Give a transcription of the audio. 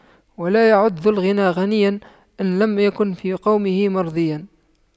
ولا يعد ذو الغنى غنيا إن لم يكن في قومه مرضيا